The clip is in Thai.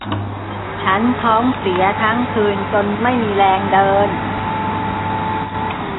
ฉันท้องเสียทั้งคืนจนไม่มีแรงเดิน